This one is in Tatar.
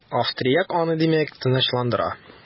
Австрияк аны димәк, тынычландыра.